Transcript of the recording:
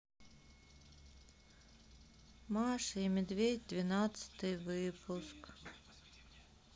маша и медведь двенадцатый выпуск